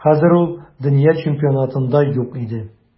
Хәзер ул дөнья чемпионатында юк иде.